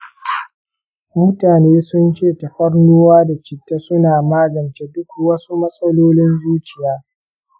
mutane sunce tafarnuwa da citta suna magance duk wasu matsalolin zuciya.